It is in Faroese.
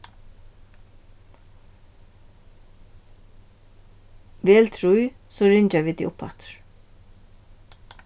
vel trý so ringja vit teg uppaftur